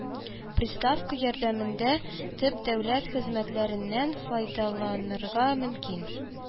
Приставка ярдәмендә төп дәүләт хезмәтләреннән файдаланырга мөмкин